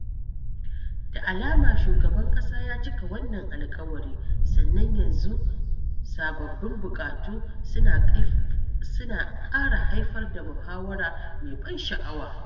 Da alama shugaban ƙasa ya cika wannan alƙawari sannan yanzu sababbin buƙatu suna ƙara haifar da muhawara mai ban sha'awa.